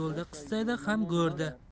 yo'lda qistaydi ham go'rda